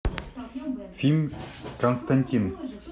фильм константин